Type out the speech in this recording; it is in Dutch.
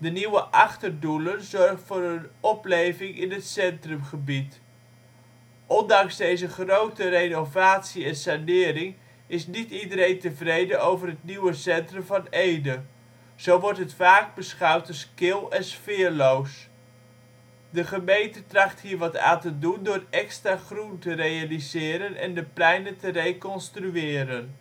nieuwe Achterdoelen zorgt voor een opleving in het centrumgebied. Ondanks deze grootse renovatie en sanering is niet iedereen tevreden over het nieuwe centrum van Ede. Zo wordt het vaak beschouwd als kil en sfeerloos. De gemeente tracht hier wat aan te doen door extra groen te realiseren en de pleinen te reconstrueren